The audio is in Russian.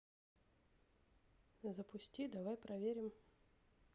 запусти давай проверим